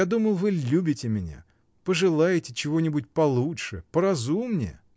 я думал, вы любите меня — пожелаете чего-нибудь получше, поразумнее.